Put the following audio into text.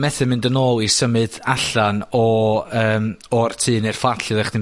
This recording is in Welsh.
methu mynd yn ôl i symud allan o, yym, o'r tŷ ne'r fflat lle oddech chdi...